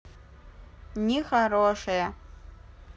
нехорошее